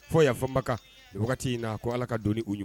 Fɔ y yafaa fɔba wagati in na ko ala ka don u ɲuman